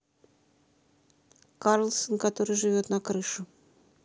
карлсон который живет на крыше